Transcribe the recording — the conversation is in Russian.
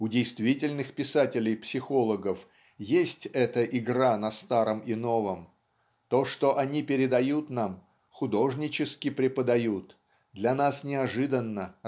У действительных писателей-психологов есть эта игра на старом и новом то что они передают нам художнически преподают для нас неожиданно